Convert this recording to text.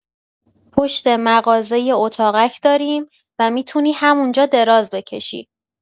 پشت مغازه یه اتاقک داریم و می‌تونی همون‌جا دراز بکشی.